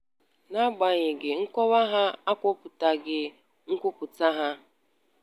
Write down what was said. N'agbanyeghị, nkọwa ha akwadoghị nkwupụta ha: